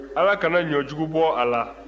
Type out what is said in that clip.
ala kana ɲɔjugu bɔ a la